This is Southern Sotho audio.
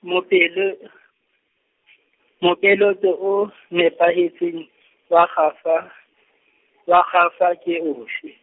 mopelo- , mopeleto o nepahetseng, wa kgafa, wa kgafa ke ofe.